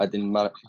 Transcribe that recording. a 'dyn